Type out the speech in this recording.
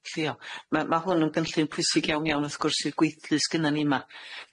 Llio. Ma' ma' hwn yn gynllun pwysig iawn iawn wrth gwrs i'r gweithlu sgynnan ni 'ma.